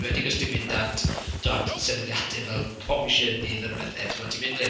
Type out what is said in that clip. Enwedig os ti'n mynd at timod sefydliadau fel Comisiynydd... m-hm. ...a ryw bethe, ti'n mynd fel hyn.